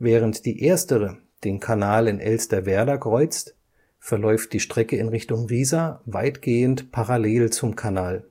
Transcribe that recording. Während die erstere den Kanal in Elsterwerda kreuzt, verläuft die Strecke in Richtung Riesa weitgehend parallel zum Kanal